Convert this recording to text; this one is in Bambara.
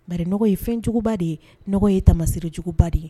Bari dɔgɔ ye fɛnjuguba de ye dɔgɔ ye tama sirarejuguba de ye